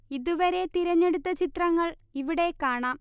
ഇതുവരെ തിരഞ്ഞെടുത്ത ചിത്രങ്ങൾ ഇവിടെ കാണാം